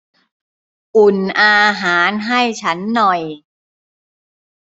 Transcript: อุ่นอาหารให้ฉันหน่อย